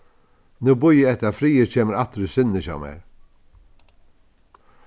nú bíði eg eftir at friður kemur aftur í sinnið hjá mær